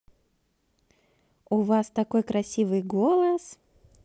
у вас такой красивый голос